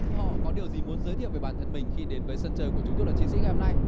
họ có điều gì muốn giới thiệu về bản thân mình khi đến với sân chơi của chúng tôi là chiến sĩ ngày hôm nay